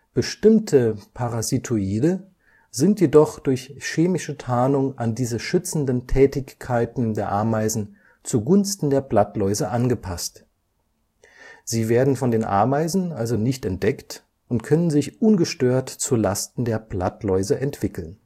Bestimmte Parasitoide sind jedoch durch chemische Tarnung an diese schützenden Tätigkeiten der Ameisen zugunsten der Blattläuse angepasst: Sie werden von den Ameisen also nicht entdeckt und können sich ungestört zu Lasten der Blattläuse entwickeln